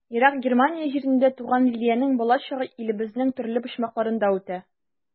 Ерак Германия җирендә туган Лилиянең балачагы илебезнең төрле почмакларында үтә.